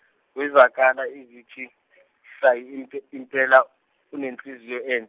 wezwakala esethi , imp- impela unenhliziyo en-.